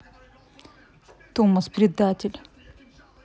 thomas предатель